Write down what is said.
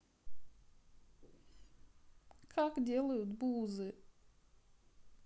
как делают бузы